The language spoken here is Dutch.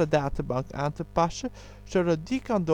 databank aan te passen, zodat die kan